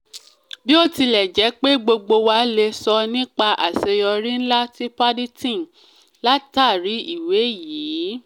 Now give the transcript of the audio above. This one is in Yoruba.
Bí ó tilẹ̀ jẹ́ pé gbogbo wa lè sọ nípa àseyọrí ǹlà ti Paddington látàrí ìwé yìí.”